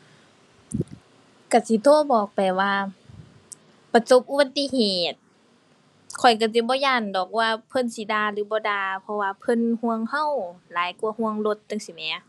ก็สิโทรบอกไปว่าประสบอุบัติเหตุ ข้อยก็สิบ่ย้านดอกว่าเพิ่นสิด่าหรือบ่ด่า เพราะว่าเพิ่นห่วงก็หลายกว่าห่วงรถจั่งซี้แหม